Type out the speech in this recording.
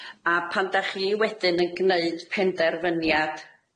A pan dach chi wedyn yn gneud penderfyniad